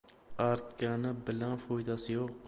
artgani bilan foydasi yo'q